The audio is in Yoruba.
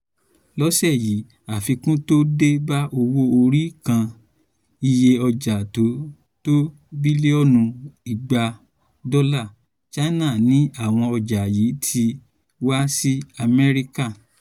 Lọ́sẹ̀ yí àfikún tó dé bá owó-orí kan iye ọjà tó tó bílíọ́nù 200 dọ́là. China ni àwọn ọjà yí tí ń wá sí Amẹ́ríkà.